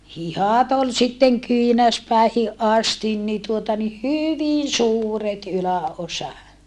hihat oli sitten kyynärpäihin asti niin tuota niin hyvin suuret yläosa